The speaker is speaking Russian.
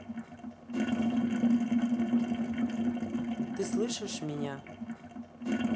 ты слышишь меня